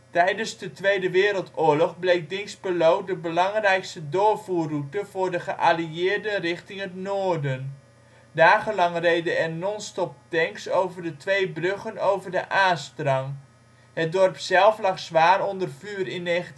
Tijdens de Tweede Wereldoorlog bleek Dinxperlo de belangrijkste doorvoerroute voor de geallieerden richting het noorden. Dagenlang reden er non-stop tanks over de twee bruggen over de Aa-strang. Het dorp zelf lag zwaar onder vuur in 1945